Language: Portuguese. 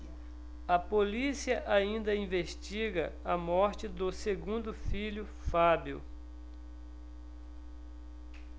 a polícia ainda investiga a morte do segundo filho fábio